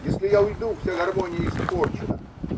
Если я уйду, вся гармония испорчена.